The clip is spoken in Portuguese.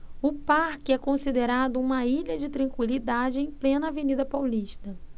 o parque é considerado uma ilha de tranquilidade em plena avenida paulista